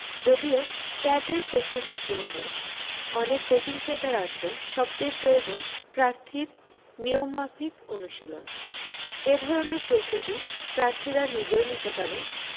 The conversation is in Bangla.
যদিও ক্যাটের প্রস্তুতির জন্য অনেক কোচিং সেন্টার আছে সব চেয়ে প্রয়োজন প্রার্থীর নিয়মমাফিক অনুশীলন এধরনের প্রস্তুতি প্রার্থীরা নিজেও নিতে পারেন